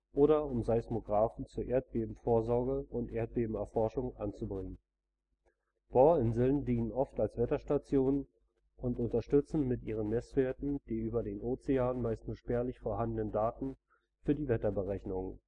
oder um Seismographen zur Erdbebenvorsorge und - erforschung anzubringen. Bohrinseln dienen oft als Wetterstationen und unterstützen mit ihren Messwerten die über den Ozeanen meistens nur spärlich vorhandenen Daten für die Wetterberechnungen